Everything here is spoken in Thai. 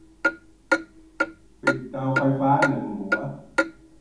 ปิดเตาไฟฟ้าหนึ่งหัว